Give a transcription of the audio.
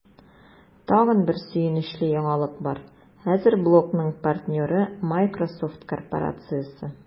Тагын бер сөенечле яңалык бар: хәзер блогның партнеры – Miсrosoft корпорациясе!